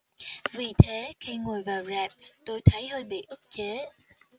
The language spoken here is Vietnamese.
vì thế khi ngồi vào rạp tôi thấy hơi bị ức chế